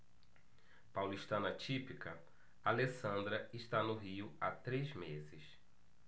paulistana típica alessandra está no rio há três meses